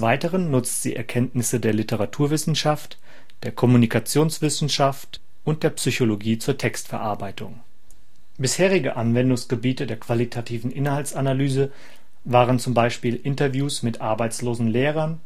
Weiteren nutzt sie Erkenntnisse der Literaturwissenschaft, der Kommunkationswissenschaft und der Psychologie zur Textverarbeitung. Bisherige Anwendungsgebiete der qualitativen Inhaltsanalyse waren zum Beispiel Interviews mit arbeitslosen Lehrern,